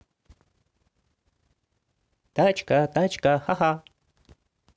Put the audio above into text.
тачка тачка ха ха